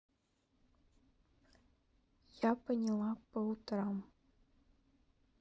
я поняла по утрам